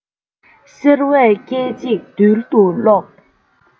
སེར བས སྐད ཅིག རྡུལ དུ རློག